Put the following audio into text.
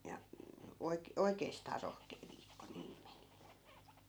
ja - oikeastaan rohkea viikko niin meni